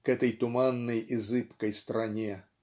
к этой туманной и зыбкой стране".